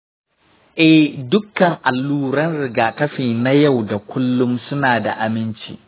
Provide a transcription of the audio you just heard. eh, dukkan alluran rigakafi na yau da kullum suna da aminci.